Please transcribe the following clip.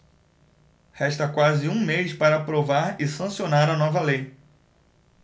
resta quase um mês para aprovar e sancionar a nova lei